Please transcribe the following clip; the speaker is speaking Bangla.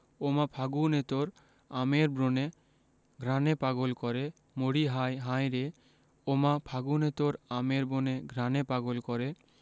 ওমা ফাগুনে তোর আমের ব্রনে ঘ্রাণে পাগল করে মরিহায় হায়রে ওমা ফাগুনে তোর আমের বনে ঘ্রাণে পাগল করে